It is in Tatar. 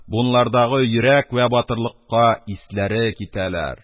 Бунлардагы йөрәк вә батырлыкка исләре китәләр.